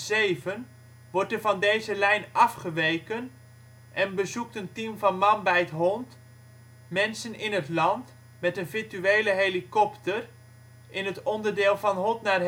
2006-2007 wordt er van deze lijn afgeweken en bezoekt een team van Man bijt hond mensen in het land (met een virtuele helikopter) in het onderdeel " Van Hot naar Her